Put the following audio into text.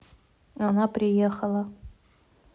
она приехала